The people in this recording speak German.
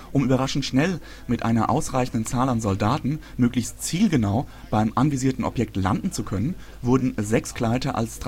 Um überraschend schnell mit einer ausreichenden Zahl an Soldaten möglichst zielgenau beim anvisierten Objekt landen zu können, wurden sechs Gleiter als